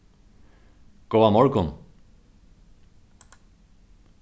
góðan morgun